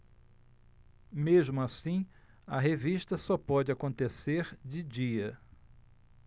mesmo assim a revista só pode acontecer de dia